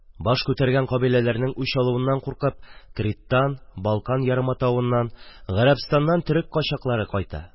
Хәзер Төркиягә һәр тарафтан моһаҗирлар агыла. Баш күтәргән кабиләләрнең үч алуыннан куркып, Криттан, Балкан ярыматавыннан, Гарәбстаннан төрек качаклары кайта.